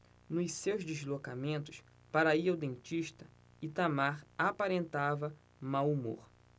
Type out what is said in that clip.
nos seus deslocamentos para ir ao dentista itamar aparentava mau humor